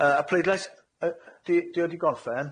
Yy a pleidlais yy yy di- di- e 'di gorffen?